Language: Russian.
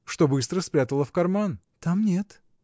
— Что быстро спрятала в карман. — Там нет.